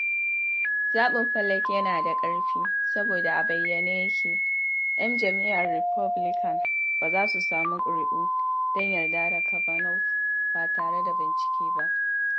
Zaɓin Flake yana da ƙarfi, saboda a bayyane yake ‘yan jam’iyyar Republican ba za su sami ƙuri’u don yarda da Kavanaugh ba tare da bincike ba.